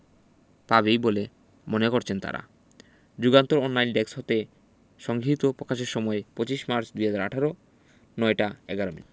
পাবেই বলে মনে করছেন তারা যুগান্তর অনলাইন ডেক্স হতে সংগিহীত পকাশের সময় ২৫ মার্চ ২০১৮ ০৯ টা ১১ মিনিট